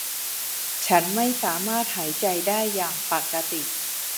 ฉันไม่สามารถหายใจได้อย่างปกติ